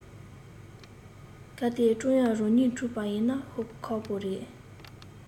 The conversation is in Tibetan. གལ ཏེ ཀྲུང དབྱང རང གཉིད འཁྲུག པ ཡིན ན ཤོ ཁག པོ རེད